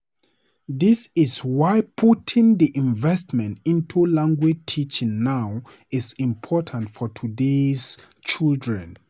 This is why putting the investment into language teaching now is important for today's children.